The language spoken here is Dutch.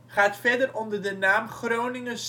gaat verder onder de naam Groningen